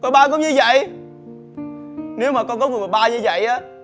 sao ba cứ như vậy nếu mà con có một người ba như vậy á